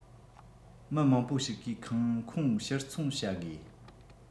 མི མང པོ ཞིག གིས ཁང ཁོངས ཕྱིར འཚོང བྱ དགོས